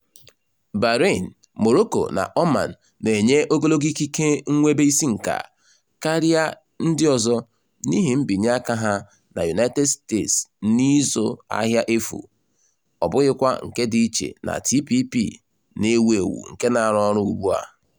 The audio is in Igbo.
Bahrain, Morocco na Oman na-enye ogologo ikike nnwebisiinka karịa ndị ọzọ n'ihi mbinyeaka ha na United States n'ịzụ ahịa efu, ọ bụghịkwa nke dị iche na TPP na-ewu ewu nke na-arụ ọrụ ugbua.